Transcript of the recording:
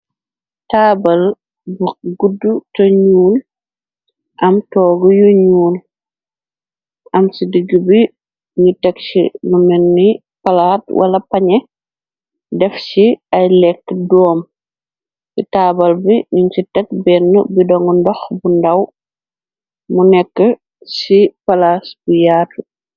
Taabal bu gudd te ñuul, am toog yu ñuul, am ci digg bi ñu teg ci lu menni palaat, wala pañe def ci ay lekk doom, di taabal bi nin ci teg benn bi dongu ndox bu ndaw, mu nekk ci palas bu yaatu.